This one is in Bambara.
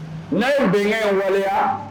Ne ye bɛn ye waleya